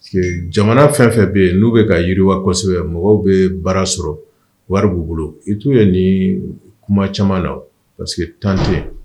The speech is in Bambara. Jamana fɛn fɛn bɛ yen n'u bɛ ka yiriwa kosɛbɛ mɔgɔw bɛ baara sɔrɔ wari b'u bolo i t'u ye ni kuma caman na pa que tante